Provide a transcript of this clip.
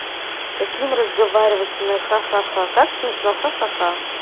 каким разговаривать со мной хаха как смешно ха